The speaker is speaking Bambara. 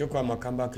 E ko a ma kanba kɛ